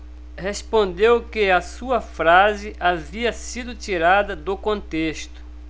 respondeu que a sua frase havia sido tirada do contexto